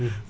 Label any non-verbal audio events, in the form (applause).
(hesitation) (hesitation)